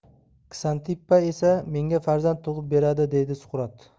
ksantippa esa menga farzand tug'ib beradi deydi suqrot